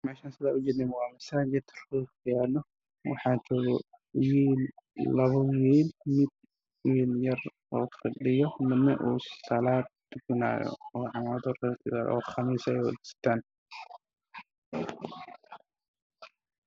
Waa masaajid waxaa yaala fog cagaar ah laba nin ayaa joogto mid wata qamiiska khamiis qaxwi